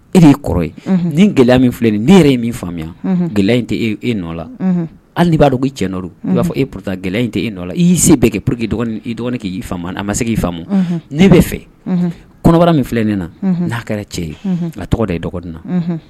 E' kɔrɔ ye ni gɛlɛya min filɛ nin ne yɛrɛ ye min faamuya gɛlɛya in tɛ ee nɔ la hali b'a dɔn' cɛ nɔ i b'a fɔ e pta gɛlɛya in tɛ e nɔ la i y'isee bɛɛ kɛ pki dɔgɔnin k'i a ma se'i fa ne bɛ fɛ kɔnɔbara min filɛ ne na n'a kɛra cɛ ye a tɔgɔ de i dɔgɔnin na